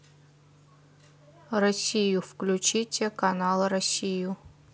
россию включите канал россию